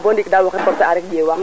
nda bo ndiik waxe forcer a rek ƴewa